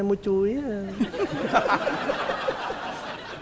mua chuối đây